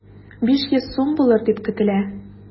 500 сум булыр дип көтелә.